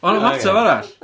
Oedd 'na'm ateb arall.